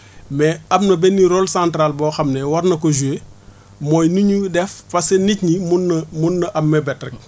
mais am na benn rôle central boo xam ne war na ko jouer mooy nu ñuy def parce que nit ñi mun na mun na am mébét rek